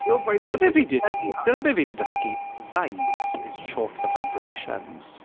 Your vibrations are very high.... Dyna be fi 'di dysgu vibes, is short for vibrations.